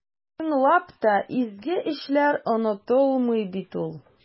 Чынлап та, изге эшләр онытылмый бит ул.